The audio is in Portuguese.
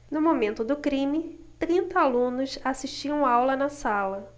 no momento do crime trinta alunos assistiam aula na sala